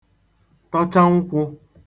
tọcha nkwụ